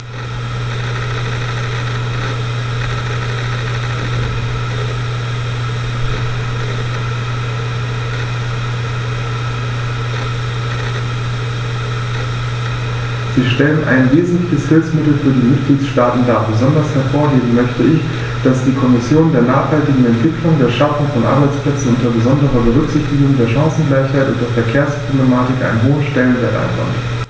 Sie stellen ein wesentliches Hilfsmittel für die Mitgliedstaaten dar. Besonders hervorheben möchte ich, dass die Kommission der nachhaltigen Entwicklung, der Schaffung von Arbeitsplätzen unter besonderer Berücksichtigung der Chancengleichheit und der Verkehrsproblematik einen hohen Stellenwert einräumt.